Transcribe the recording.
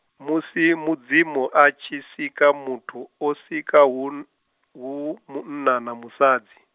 musi Mudzimu atshi sika muthu o sika hu, hu munna na musadzi.